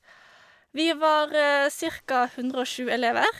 Vi var cirka hundre og tjue elever.